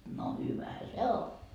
no hyvähän se on